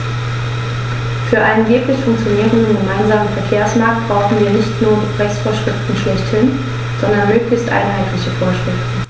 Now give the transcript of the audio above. Für einen wirklich funktionierenden gemeinsamen Verkehrsmarkt brauchen wir nicht nur Rechtsvorschriften schlechthin, sondern möglichst einheitliche Vorschriften.